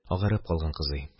Агарып калган кызый